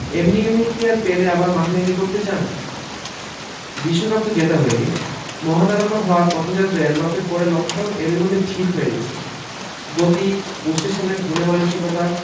এমনি এমনি কি আর পেলে আবার মাঠে নেমে পড়তে চান বিশ্বকাপ তো জেতা হয়ে গেল মহাতারকা হওয়ার পথযাত্রায় এমবাপ্পের পরের লক্ষ্যটাও এরই মধ্যে ঠিক হয়ে গেছে গতি পোস্টের সামনে খুনে মানসিকতা